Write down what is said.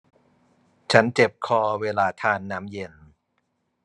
ฉันเจ็บคอเวลาทานน้ำเย็น